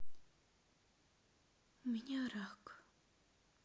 у меня рак